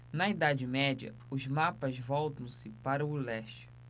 na idade média os mapas voltam-se para o leste